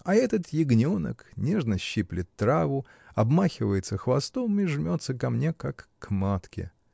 А этот ягненок нежно щиплет траву, обмахивается хвостом и жмется ко мне, как к матке.